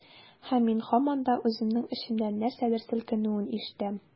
Һәм мин һаман да үземнең эчемдә нәрсәдер селкенүен ишетәм.